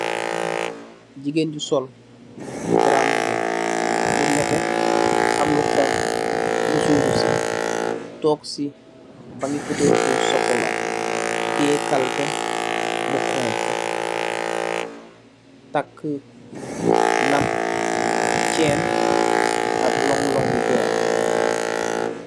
Gigeen ju sol garambubu bu netteh am lu xonxu moser si tóóg ci bangi fotorr bu sokola teyeh kalpèh bu xonxu, takka lam, cèèn ak lonlon yu dórèh.